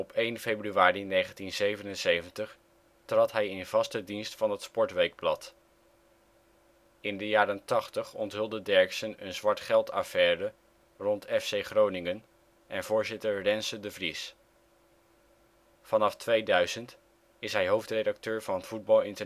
1 februari 1977 trad hij in vaste dienst van het sportweekblad. In de jaren tachtig onthulde Derksen een zwart-geld affaire rond FC Groningen en voorzitter Renze de Vries. Vanaf 2000 is hij hoofdredacteur van VI. In